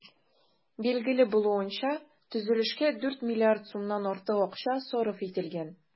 Билгеле булуынча, төзелешкә 4 миллиард сумнан артык акча сарыф ителгән.